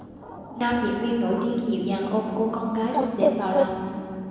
nam diễn viên nổi tiếng dịu dàng ôm cô con gái xinh đẹp vào lòng